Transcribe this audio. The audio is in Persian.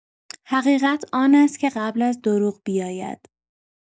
حقیقت آن است که قبل از دروغ بیاید.